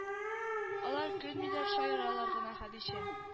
Алар көлмиләр шаяралар гына хәдичә